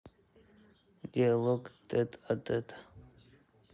диалоги тет а те